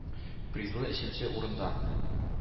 – призлы өченче урында!